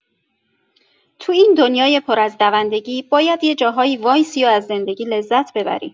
تو این دنیای پر از دوندگی باید یه جاهایی وایسی و از زندگی لذت ببری.